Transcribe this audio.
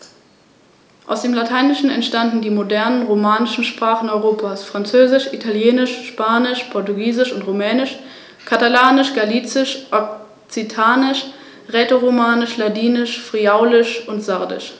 Der Schwanz wird aus 12 Steuerfedern gebildet, die 34 bis 42 cm lang sind.